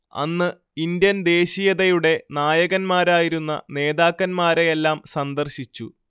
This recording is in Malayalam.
അന്ന് ഇൻഡ്യൻ ദേശീയതയുടെ നായകരായിരുന്ന നേതാക്കന്മാരെയെല്ലാം സന്ദർശിച്ചു